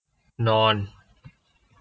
นอน